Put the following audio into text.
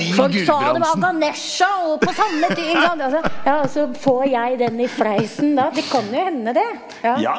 folk sa det var Ganesha òg på samme tid ikke sant, altså ja også får jeg den i fleisen da, det kan jo hende det ja.